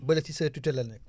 bële ci sa tutelle la nekk